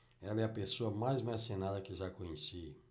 ela é a pessoa mais mercenária que já conheci